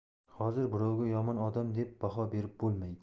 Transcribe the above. hozir birovga yomon odam deb baho berib bo'lmaydi